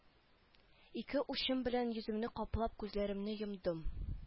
Ике учым белән йөземне каплап күзләремне йомдым